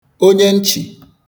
onye nchị̀